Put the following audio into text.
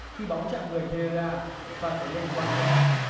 khi bóng chạm người hê rê ra và trở nên quá khó